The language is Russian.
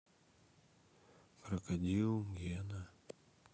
крокодил гена